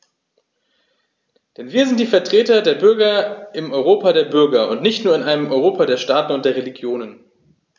Denn wir sind die Vertreter der Bürger im Europa der Bürger und nicht nur in einem Europa der Staaten und der Regionen.